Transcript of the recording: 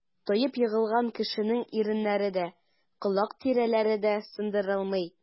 Таеп егылган кешенең иреннәре дә, колак тирәләре дә сыдырылмый.